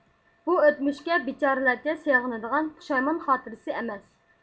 بۇ ئۆتمۈشكە بىچارىلەرچە سىغىنىدىغان پۇشايمان خاتىرىسى ئەمەس